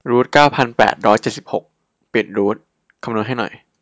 รูทเก้าพันแปดร้อยเจ็ดสิบหกปิดรูทคำนวณให้หน่อย